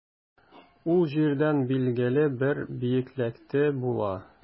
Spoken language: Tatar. Ул җирдән билгеле бер биеклектә була.